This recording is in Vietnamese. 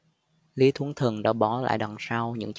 lý thuấn thần đã bỏ lại đằng sau những